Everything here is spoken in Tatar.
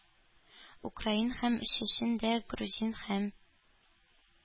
Украин һәм чечен дә, грузин һәм